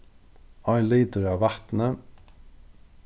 ein litur av vatni